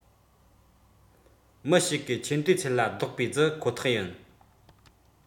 མི ཞིག གིས ཆེ མཐོའི ཚད ལ རྡོག པས བརྫིས ཁོ ཐག ཡིན